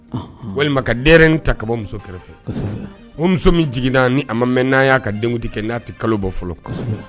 Walima ka den ta kaba bɔ muso kɛrɛfɛ o muso min jiginna'a a ma mɛn na ka den kɛ n'a tɛ kalo bɔ fɔlɔ